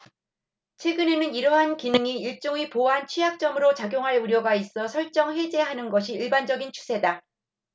최근에는 이러한 기능이 일종의 보안취약점으로 작용할 우려가 있어 설정해제하는 것이 일반적인 추세다